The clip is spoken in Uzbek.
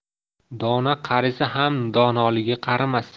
dono qarisa ham donoligi qarimas